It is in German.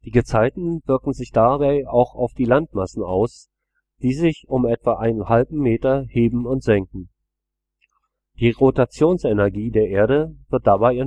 Gezeiten wirken sich auch auf die Landmassen aus, die sich um etwa einen halben Meter heben und senken. Die Rotationsenergie der Erde wird dabei